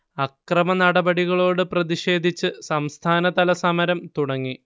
അക്രമനടപടികളോട് പ്രതിഷേധിച്ച് സംസ്ഥാനതല സമരം തുടങ്ങി